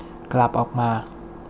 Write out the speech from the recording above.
กลับออกมา